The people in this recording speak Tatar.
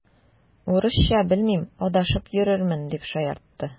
Урысча белмим, адашып йөрермен, дип шаяртты.